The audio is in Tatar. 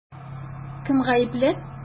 Кем гаепле?